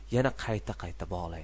yana qayta qayta bog'laydi